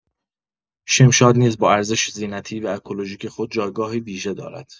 شمشاد نیز با ارزش زینتی و اکولوژیک خود جایگاهی ویژه دارد.